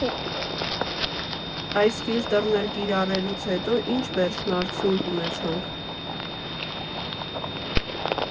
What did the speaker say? Այս ֆիլտրն էլ կիրառելուց հետո ինչ վերջնարդյունք ունեցանք։